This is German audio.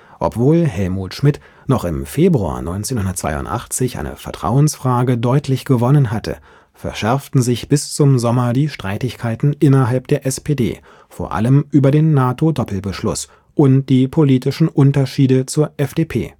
Obwohl Helmut Schmidt noch im Februar 1982 eine Vertrauensfrage deutlich gewonnen hatte, verschärften sich bis zum Sommer die Streitigkeiten innerhalb der SPD, vor allem über den NATO-Doppelbeschluss, und die politischen Unterschiede zur FDP